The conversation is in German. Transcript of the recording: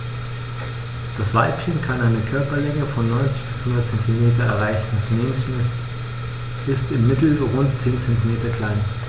Das Weibchen kann eine Körperlänge von 90-100 cm erreichen; das Männchen ist im Mittel rund 10 cm kleiner.